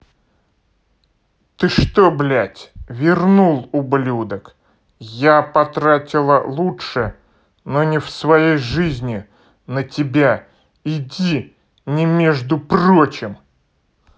ты что блядь вернул ублюдок я потратила лучше не в своей жизни на тебя иди не между прочим